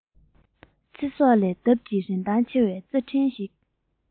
ཚེ སྲོག ལས ལྡབ ཀྱིས རིན ཐང ཆེ བའི རྩྭ ཕྲན ཞིག